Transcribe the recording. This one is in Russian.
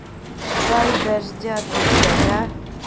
дай дождя ты блядь а